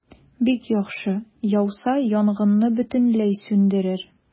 Бик яхшы, яуса, янгынны бөтенләй сүндерер.